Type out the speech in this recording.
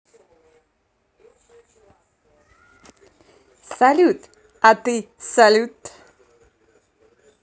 салют а ты салют